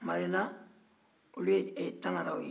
marena olu ye tangaraw ye